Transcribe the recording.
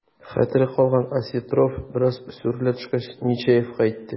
Хәтере калган Осетров, бераз сүрелә төшкәч, Нечаевка әйтте: